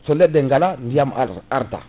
so leɗɗe gala ndiyam ar* arta